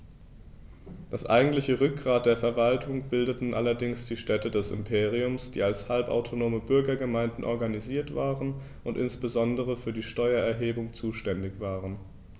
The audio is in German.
Das eigentliche Rückgrat der Verwaltung bildeten allerdings die Städte des Imperiums, die als halbautonome Bürgergemeinden organisiert waren und insbesondere für die Steuererhebung zuständig waren.